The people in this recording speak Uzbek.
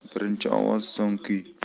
birinchi ovoz so'ng kuy